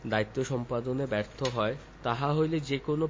দায়িত্ব সম্পাদনে ব্যর্থ হয় তাহা হইলে যে কোন